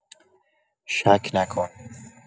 شک نکن